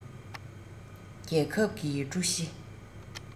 རྒྱལ ཁབ ཀྱི ཀྲུའུ ཞི